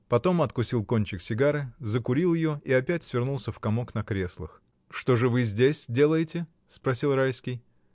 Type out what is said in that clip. Потом откусил кончик сигары, закурил ее и опять свернулся в комок на креслах. — Что же вы здесь делаете? — спросил Райский.